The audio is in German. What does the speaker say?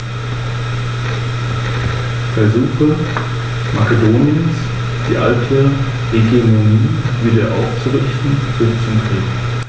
Nach dem Fall Saguntums und der Weigerung der Regierung in Karthago, Hannibal auszuliefern, folgte die römische Kriegserklärung.